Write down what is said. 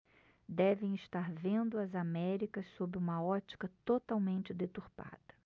devem estar vendo as américas sob uma ótica totalmente deturpada